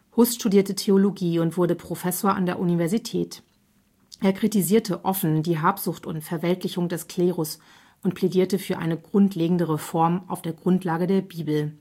Hus studierte Theologie und wurde Professor an der Universität. Er kritisierte offen die Habsucht und Verweltlichung des Klerus und plädierte für eine grundlegende Reform auf der Grundlage der Bibel